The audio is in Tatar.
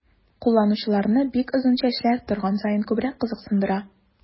Кулланучыларны бик озын чәчләр торган саен күбрәк кызыксындыра.